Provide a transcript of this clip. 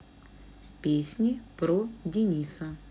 песни про дениса